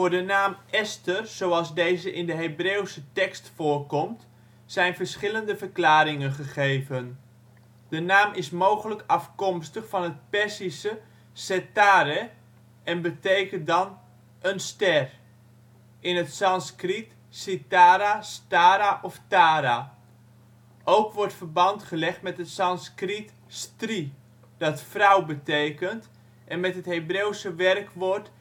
de naam Esther zoals deze in de Hebreeuwse tekst voorkomt zijn verschillende verklaringen gegeven. De naam is mogelijk afkomstig van het Perzische ستاره setareh, en betekent dan " een ster " (in het Sanskriet: sitara, stara of tara). Ook wordt verband gelegd met het Sanskriet stri dat vrouw betekent en met het Hebreeuwse werkwoord